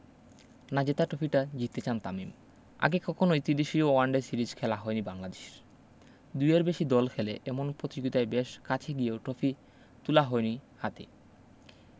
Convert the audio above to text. না জেতা ট্রফিটা জিততে চান তামিম আগে কখনোই তিদেশীয় ওয়ানডে সিরিজ জেতা হয়নি বাংলাদেশের দুইয়ের বেশি দল খেলে এমন প্রতিযোগিতায় বেশ কাছে গিয়েও টফি তুলা হয়নি হাতে